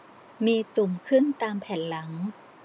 มีตุ่มขึ้นตามแผ่นหลัง